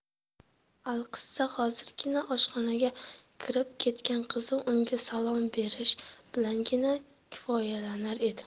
alqissa hozirgina oshxonaga kirib ketgan qizi unga salom berish bilangina kifoyalanar edi